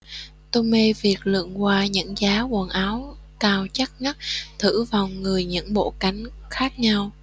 tôi mê việc lượn qua những giá quần áo cao chất ngất thử vào người những bộ cánh khác nhau